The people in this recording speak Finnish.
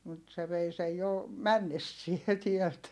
mutta se vei sen jo mennessään täältä